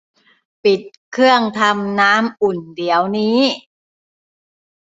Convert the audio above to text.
ปิดเครื่องทำน้ำอุ่นเดี๋ยวนี้